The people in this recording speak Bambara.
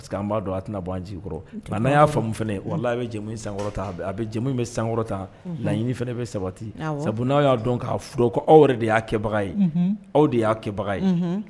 Parce que b'a dɔn a tɛna nci kɔrɔ n'a y'a faamumu fana wala bɛ jamu san a bɛ jamu bɛ sankɔrɔ tan naɲini fana bɛ sabati sabu n'a y'a dɔn ka kɔ aw yɛrɛ de y'a kɛbaga ye aw de y'a kɛbaga ye